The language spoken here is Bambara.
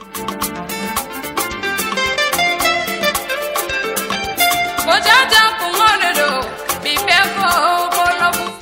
Mɔ tɛ kun mɔdo' bɛ bon kolo